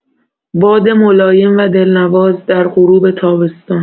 باد ملایم و دل‌نواز در غروب تابستان